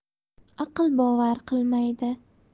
aql bovar qilmaydi